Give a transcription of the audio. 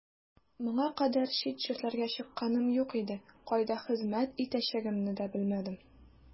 Моңа кадәр чит җирләргә чыкканым юк иде, кайда хезмәт итәчәгемне дә белмәдем.